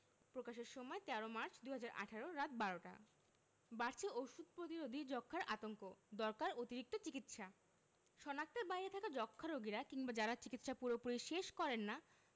প্রকাশের সময় ১৩ মার্চ ২০১৮ রাত ১২:০০ টা বাড়ছে ওষুধ প্রতিরোধী যক্ষ্মার আতঙ্ক দরকার অতিরিক্ত চিকিৎসা শনাক্তের বাইরে থাকা যক্ষ্মা রোগীরা কিংবা যারা চিকিৎসা পুরোপুরি শেষ করেন না